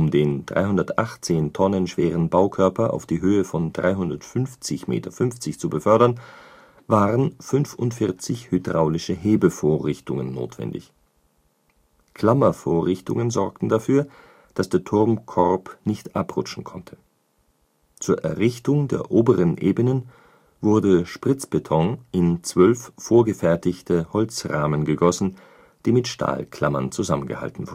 den 318 Tonnen schweren Baukörper auf die Höhe von 350,5 Meter zu befördern, waren 45 hydraulische Hebevorrichtungen notwendig. Klammervorrichtungen sorgten dafür, dass der Turmkorb nicht abrutschen konnte. Zur Errichtung der oberen Ebenen wurde Spritzbeton in zwölf vorgefertigte Holzrahmen gegossen, die mit Stahlklammern zusammengehalten